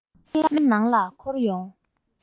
རྨི ལམ ནང ལ འཁོར ཡོང